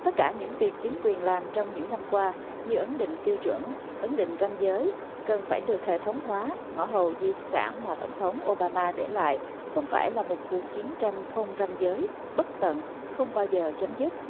tất cả những việc chính quyền làm trong những năm qua như ấn định tiêu chuẩn ấn định ranh giới cần phải được hệ thống hóa ngõ hầu di sản mà tổng thống ô ba ma để lại không phải là một cuộc chiến tranh không ranh giới bất tận không bao giờ chấm dứt